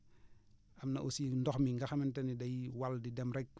am na aussi ndox mi nga xamante ni day wal di dem rek